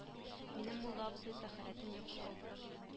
Минем мулла абзый тәһарәтем юк шул